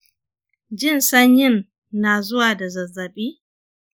jin sanyin na zuwa da zazzabi?